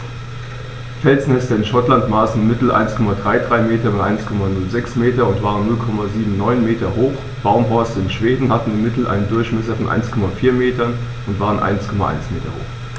Felsnester in Schottland maßen im Mittel 1,33 m x 1,06 m und waren 0,79 m hoch, Baumhorste in Schweden hatten im Mittel einen Durchmesser von 1,4 m und waren 1,1 m hoch.